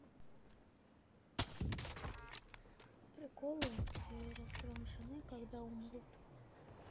приколы где разгромом жены когда умрут